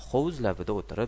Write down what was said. hovuz labida o'tirib